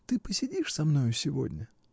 — Ты посидишь со мною сегодня?